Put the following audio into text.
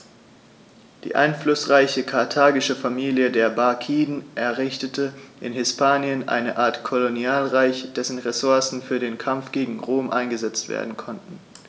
Die einflussreiche karthagische Familie der Barkiden errichtete in Hispanien eine Art Kolonialreich, dessen Ressourcen für den Kampf gegen Rom eingesetzt werden konnten.